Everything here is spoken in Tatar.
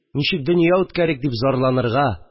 Ничек дөнья үткәрик?» – дип зарланырга